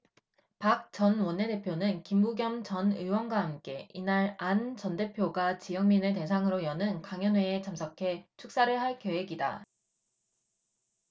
박 전 원내대표는 김부겸 전 의원과 함께 이날 안 전 대표가 지역민을 대상으로 여는 강연회에 참석해 축사를 할 계획이다